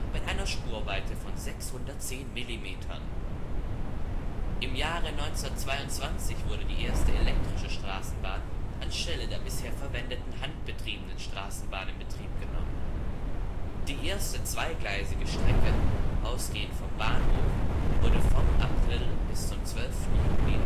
mit einer Spurweite von 610 mm. Im Jahre 1922 wurde die erste elektrische Straßenbahn anstelle der bisher verwendeten handbetriebenen Straßenbahn in Betrieb genommen. Die erste zweigleisige Strecke, ausgehend vom Bahnhof, wurde vom April bis zum 12. Juli